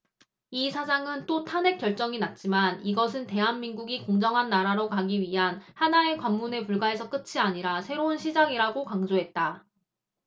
이 시장은 또 탄핵 결정이 났지만 이것은 대한민국이 공정한 나라로 가기 위한 하나의 관문에 불과해서 끝이 아니라 새로운 시작이라고 강조했다